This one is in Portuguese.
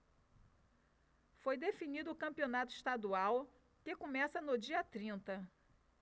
foi definido o campeonato estadual que começa no dia trinta